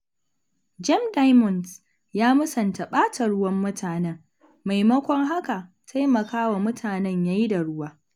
Gem Diamonds ya musanta ɓata ruwan mutanen, maimakon haka taimaka wa mutanen ya yi da ruwa.